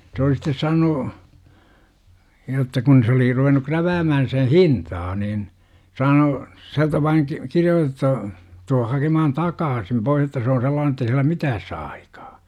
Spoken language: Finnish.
se oli sitten saanut jotta kun se oli ruvennut kräväämään sen hintaa niin saanut sieltä vain - kirjoitettu tule hakemaan takaisin pois että se on sellainen että ei sillä mitään saa aikaan